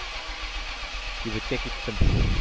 Кибеткә киттем.